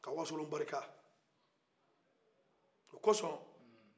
ka wasolo barika o kosɔn